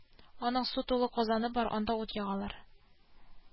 Аның су тулы казаны бар анда ут ягалар